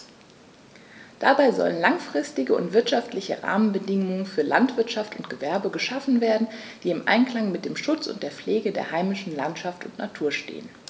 Dabei sollen langfristige und wirtschaftliche Rahmenbedingungen für Landwirtschaft und Gewerbe geschaffen werden, die im Einklang mit dem Schutz und der Pflege der heimischen Landschaft und Natur stehen.